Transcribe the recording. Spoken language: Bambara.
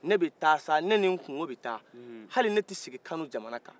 ne bɛ ta sa ne ni nkunko bɛ ta hali ne tɛ sigi kanu jaman ka